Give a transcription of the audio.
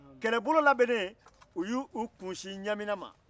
kɛlɛbolo labɛnnen u y'u kunsi ɲamina ma